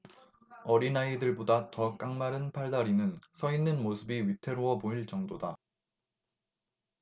어린아이들보다 더 깡마른 팔다리는 서 있는 모습이 위태로워 보일 정도다